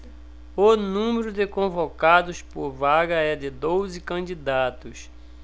o número de convocados por vaga é de doze candidatos